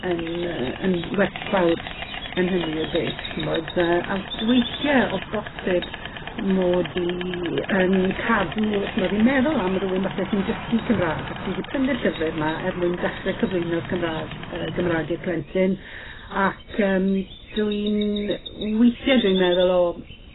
yn yy yn werthfawr yn hynny o beth ch'mod yy ag weithie o bosib mod i yn cadw ch'mod fi'n meddwl am rywun falle sy'n dysgu Cymra'g a sy 'di prynu'r llyfyr 'ma er mwyn dechre cyflwyno'r Cymra'g yy Gymra'g i'r plentyn ac yym dwi'n withie dwi'n meddwl o